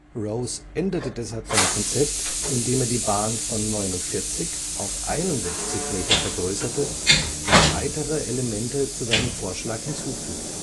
Rose änderte deshalb sein Konzept, indem er die Bahn von 49 Metern auf 61 Meter vergrößerte und weitere Elemente zu seinem Vorschlag hinzufügte